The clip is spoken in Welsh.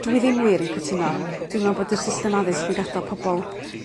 Dwi ddim wir yn cytuno dwi me'wl bod y system addysg yn gadal pobol